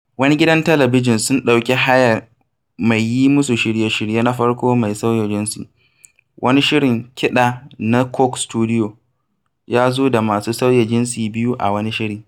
Wani gidan talabijin sun ɗauki hayar mai yi musu shirye-shirye na farko mai sauyin jinsi; wani shirin kiɗa na Coke Studio, ya zo da masu sauya jinsi biyu a wani shiri.